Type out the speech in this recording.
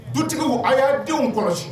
Dutigiw a y'a denw kɔlɔsi